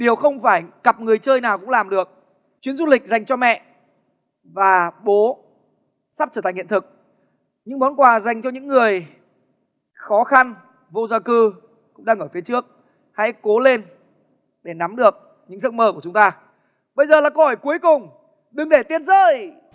điều không phải cặp người chơi nào cũng làm được chuyến du lịch dành cho mẹ và bố sắp trở thành hiện thực những món quà dành cho những người khó khăn vô gia cư cũng đang ở phía trước hãy cố lên để nắm được những giấc mơ của chúng ta bây giờ là câu hỏi cuối cùng đừng để tiền rơi